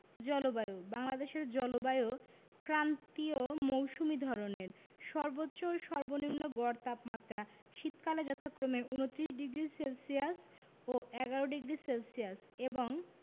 জলবায়ুঃ বাংলাদেশের জলবায়ু ক্রান্তীয় মৌসুমি ধরনের সর্বোচ্চ ও সর্বনিম্ন গড় তাপমাত্রা শীতকালে যথাক্রমে ২৯ ডিগ্রি সেলসিয়াস ও ১১ডিগ্রি সেলসিয়াস এবং